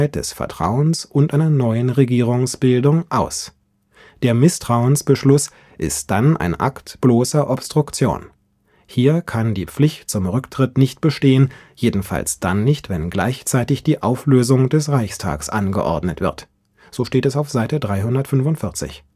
des Vertrauens und einer neuen Regierungsbildung aus. Der Misstrauensbeschluß ist dann ein Akt bloßer Obstruktion. Hier kann die Pflicht zum Rücktritt nicht bestehen, jedenfalls dann nicht, wenn gleichzeitig die Auflösung des Reichstags angeordnet wird. “(S. 345